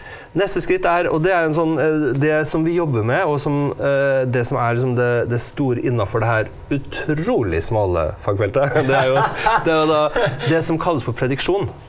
neste skritt er og det er en sånn det som vi jobber med, og som det som er litt sånn det det store innafor det her utrolig smale fagfeltet, det er jo det er jo da det som kalles for prediksjon.